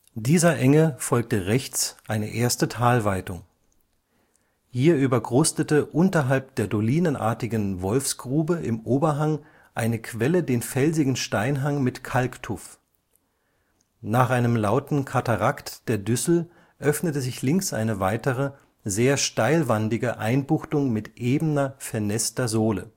Dieser Enge folgte rechts eine erste Talweitung. Hier überkrustete unterhalb der dolinenartigen Wolfsgrube im Oberhang eine Quelle den felsigen Steilhang mit Kalktuff. Nach einem lauten Katarakt der Düssel öffnete sich links eine weitere, sehr steilwandige Einbuchtung mit ebener, vernässter Sohle